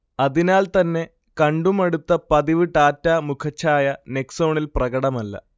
അതിനാൽതന്നെ കണ്ടുമടുത്ത പതിവ് ടാറ്റ മുഖഛായ നെക്സോണിൽ പ്രകടമല്ല